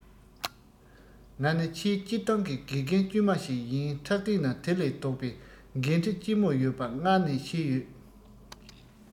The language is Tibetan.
ང ནི ཆེས སྤྱིར བཏང གི དགེ རྒན དཀྱུས མ ཞིག ཡིན ཕྲག སྟེང ན དེ ལས ལྡོག པའི འགན འཁྲི ལྕི མོ ཡོད པ སྔར ནས ཤེས ཡོད